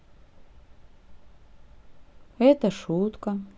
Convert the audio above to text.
это шутка